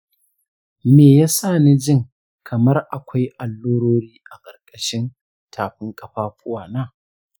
me yasa na jin kamar akwai allurori a ƙarƙashin tafin ƙafafuwa na?